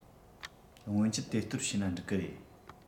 སྔོན ཆད དེ ལྟར བྱས ན འགྲིག གི རེད